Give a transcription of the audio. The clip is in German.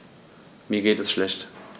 Mir geht es schlecht.